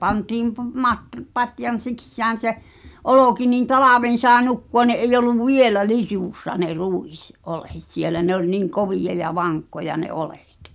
pantiin -- patjan sisään se olki niin talven sai nukkua niin ei ollut vielä litussa ne - ruisoljet siellä ne oli niin kovia ja vakkoja ne oljet